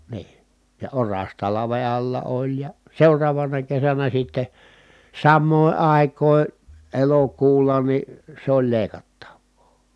niin ja oras talven alla oli ja seuraavana kesänä sitten samoihin aikoihin elokuulla niin se oli leikattavaa